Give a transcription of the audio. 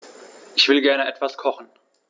Ich will gerne etwas kochen.